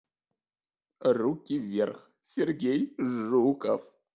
руки вверх сергей жуков